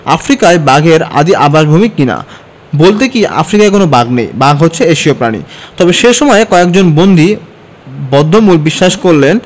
আফ্রিকাই বাঘের আদি আবাসভূমি কি না বলতে কী আফ্রিকায় কোনো বাঘ নেই বাঘ হচ্ছে এশীয় প্রাণী তবে সে সময়ে কয়েকজন বন্দী বদ্ধমূল বিশ্বাস করলেন